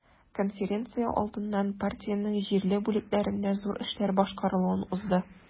Конференция алдыннан партиянең җирле бүлекләрендә зур эшләр башкарылуын узды.